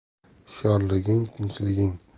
hushyorliging tinchliging